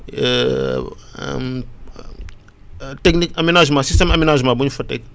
technique aménagement système aménagement bu ñu fa teg